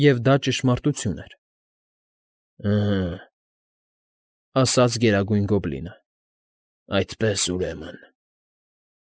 Եվ դա ճշմարտություն էր։ ֊ Հը՜մ,֊ ասաց Գերագույն Գոբլինը։֊ Այդպես ուրեմն։